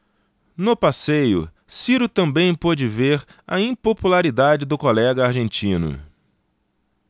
no passeio ciro também pôde ver a impopularidade do colega argentino